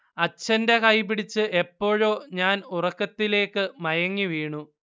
അച്ഛന്റെ കൈപിടിച്ച് എപ്പോഴോ ഞാൻ ഉറക്കത്തിലേക്കു മയങ്ങിവീണു